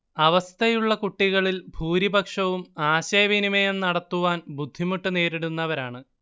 അവസ്ഥയുള്ള കുട്ടികളിൽ ഭൂരിപക്ഷവും ആശയവിനിമയം നടത്തുവാൻ ബുദ്ധിമുട്ട് നേരിടുന്നവരാണ്